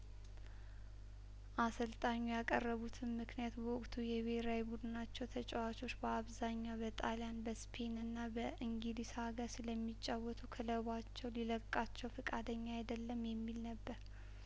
አሰልጣኙ ያቀረቡትን ምክንያት በወቅቱ የብሄራዊ ቡድናቸው ተጫዋቾች በአብዛኛው በጣልያን በስፔንና በእንግሊዝ ሀገር ስለሚጫወቱ ክለባቸው ሊለቃቸው ፍቃደኛ አይደለም የሚል ነበር